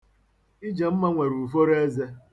Ijemma nwere uforo eze.